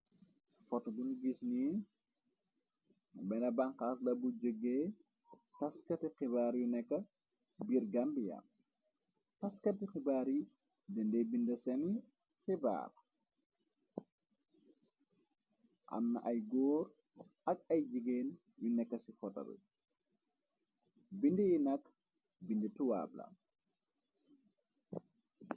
foto bun gis ni bena banxaas la bu jeggee taskati xibaar yu nekka biir gambia taskati xibaar yi dindey bind seni xibaar amn ay góor ak ay jigéen yu nekk ci fotare bindiyi nakk bindi tuwaabla